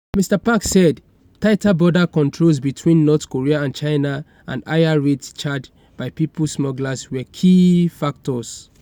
Mr Park said tighter border controls between North Korea and China and higher rates charged by people smugglers were key factors.